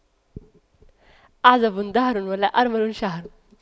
أعزب دهر ولا أرمل شهر